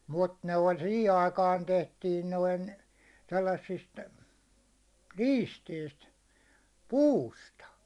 mutta ne oli siihen aikaan tehtiin noin sellaisista liisteistä puusta